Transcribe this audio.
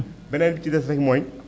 beneen bi ci des nag mooy